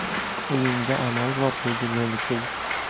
uyingda amol boor dedi lo'li cho'zib